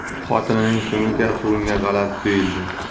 xotinining so'nggi gapi unga g'alati tuyuldi